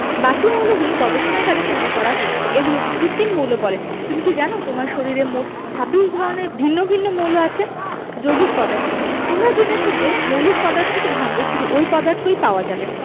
বাকি মৌলগুলো গবেষণাগারে তৈরি করা হয়েছে এগুলোকে কৃত্রিম মৌল বলে তুমি কি জানো তোমার শরীরে মোট ২৬ ধরনের ভিন্ন ভিন্ন মৌল আছে যৌগিক পদার্থ তোমরা জেনেছ যে মৌলিক পদার্থকে ভাঙলে শুধু ঐ পদার্থই পাওয়া যাবে